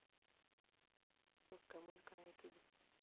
русская музыка на ютубе